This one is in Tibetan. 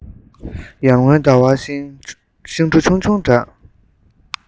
ཡར ངོའི ཟླ བ ཤིང གྲུ ཆུང ཆུང འདྲ